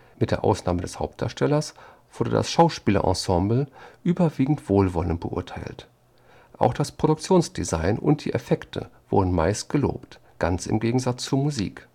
Mit der Ausnahme des Hauptdarstellers wurde das Schauspielerensemble überwiegend wohlwollend beurteilt. Auch das Produktionsdesign und die Effekte wurden meist gelobt, ganz im Gegensatz zur Musik